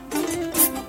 Hɛrɛ